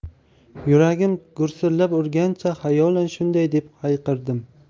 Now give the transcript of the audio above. yuragim gursillab urgancha xayolan shunday deb hayqirdim